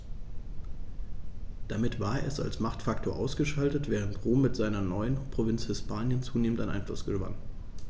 Damit war es als Machtfaktor ausgeschaltet, während Rom mit seiner neuen Provinz Hispanien zunehmend an Einfluss gewann.